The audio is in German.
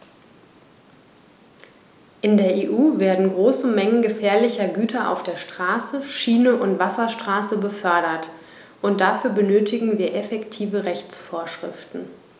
In der EU werden große Mengen gefährlicher Güter auf der Straße, Schiene und Wasserstraße befördert, und dafür benötigen wir effektive Rechtsvorschriften.